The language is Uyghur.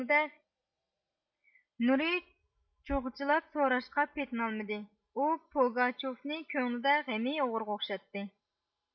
نۇرى چۇخچىلاپ سوراشقا پېتىنالمىدى ئۇ پوگاچيوفنى كۆڭلىدە غېنى ئوغرىغا ئوخشاتتى